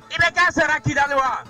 I bɛ kɛ sara kidali wa